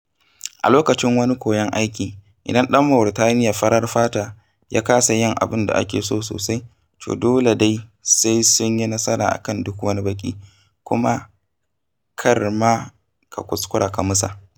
A lokacin wani koyon aiki, idan ɗan Mauritaniya farar fata ya kasa yin abin da ake so sosai, to dole dai sai sun yi nasara a kan duk wani baƙi. Kuma kar ma ka kuskura ka musa…